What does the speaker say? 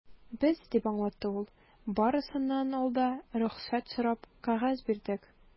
Без, - дип аңлатты ул, - барысыннан алда рөхсәт сорап кәгазь бирдек.